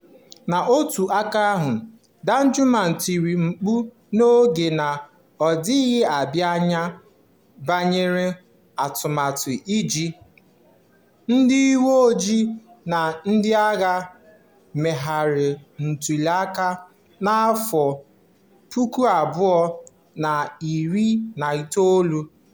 N'otu aka ahụ, Danjuma tiri mkpu n'oge na-adịbeghị anya banyere atụmatụ iji "ndị uwe ojii na ndị agha" megharịa ntụliaka 2019.